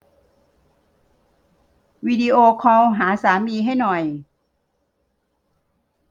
วิดีโอคอลหาสามีให้หน่อย